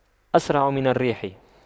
أسرع من الريح